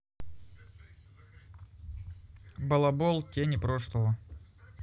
балабол тени прошлого